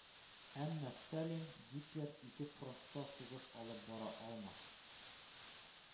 Әмма Сталин, Гитлер ике фронтта сугыш алып бара алмас,